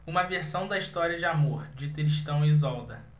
uma versão da história de amor de tristão e isolda